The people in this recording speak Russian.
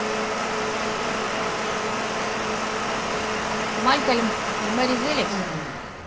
малькольм и mary зеликс